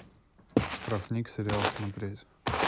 штрафник сериал смотреть